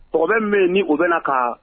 O bɛ min ni u bɛ kan